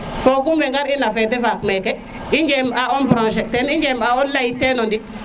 fogum we ngar ina fede faak meke i njem a brancher teen i njem a ley teno ndik